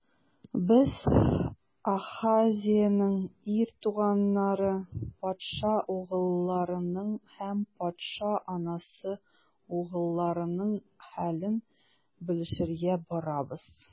Без - Ахазеянең ир туганнары, патша угылларының һәм патша анасы угылларының хәлен белешергә барабыз.